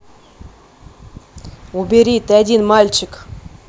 убери ты один мальчик